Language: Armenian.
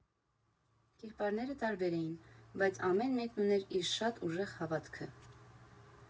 Կերպարները տարբեր էին, բայց ամեն մեկն ուներ իր շատ ուժեղ հավատքը։